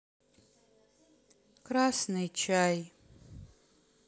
красный чай